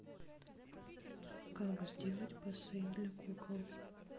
как сделать бассейн для кукол